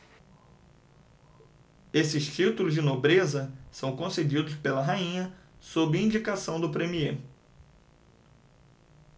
esses títulos de nobreza são concedidos pela rainha sob indicação do premiê